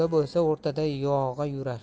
bo'lsa o'rtada yo'ig'a yurar